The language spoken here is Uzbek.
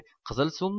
qizil suvmi